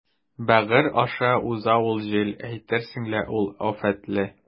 Бәгырь аша уза ул җил, әйтерсең лә ул афәтле.